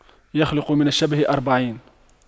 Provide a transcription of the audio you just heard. يخلق من الشبه أربعين